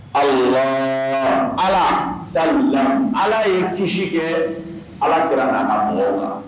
Ayiwa ala sa ala ye kisi kɛ ala kɛra' a mɔ kan